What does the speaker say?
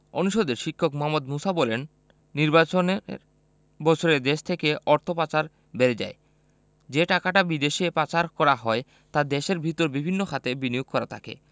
অনুষদের শিক্ষক মোহাম্মদ মুসা বলেন নির্বাচনের বছরে দেশ থেকে অর্থ পাচার বেড়ে যায় যে টাকাটা বিদেশে পাচার করা হয় তা দেশের ভেতরে বিভিন্ন খাতে বিনিয়োগ করা থাকে